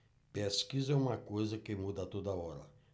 pesquisa é uma coisa que muda a toda hora